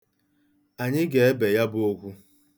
Anyị ga-ebe ya bụ okwu.